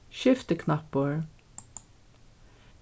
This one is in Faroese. skiftiknappur